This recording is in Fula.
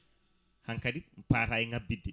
hankkadi paata e ngabbidde